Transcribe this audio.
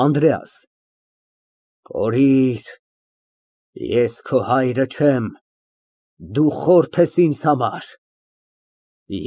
ԱՆԴՐԵԱՍ ֊ Կորիր, ես քո հայրը չեմ, դու խորթ ես ինձ համար։